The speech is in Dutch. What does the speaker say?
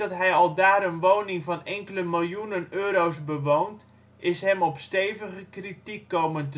hij aldaar een woning van enkele miljoenen euro 's bewoont is hem op stevige kritiek komen